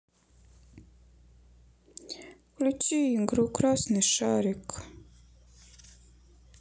включи игру красный шарик